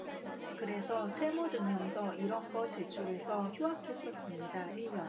그래서 채무증명서 이런 거 제출해서 휴학했었습니다 일 년